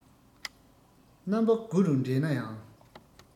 རྣམ པ དགུ རུ འདྲེན ན ཡང